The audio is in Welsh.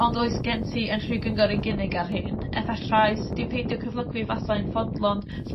Ond oes gen ti ynrhyw gyngor i gynig ar rhein efallai 's di'n ffeindio cyflygwyr fasai'n fodlon